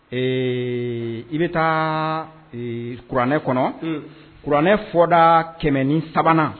Ee i bɛ taa ee kuranɛ kɔnɔ, un, kuranɛ fɔ da 103 nan